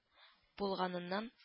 Булганыннан